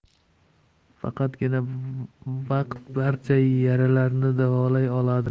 faqatgina vaqt barcha yaralarni davolay oladi menander